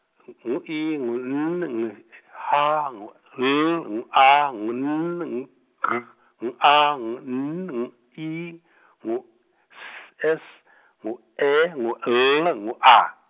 n- ngu I, ngu N, ngu H, ngu L, ngu A, ngu N, ngu G, ngu A, ngu N, ngu I, ngu S, S, ngu E, ngu N, ngu A.